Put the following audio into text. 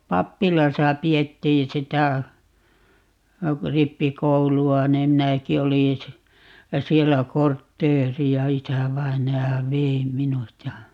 pappilassa pidettiin sitä rippikoulua niin minäkin olin - siellä kortteeria isävainaja vei minut ja